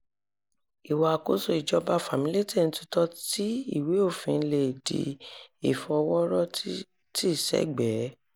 Ìwà àkóso ìjọba fàmílétèntutọ́, tí ìwé òfin lè di ìfọwọ́rọ́tìsẹ́gbẹ̀ẹ́...